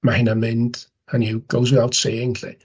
Ma' hynna'n mynd, hynny yw, goes without saying 'lly.